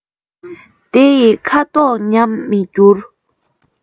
དེ ཡི ཁ དོག ཉམས མི འགྱུར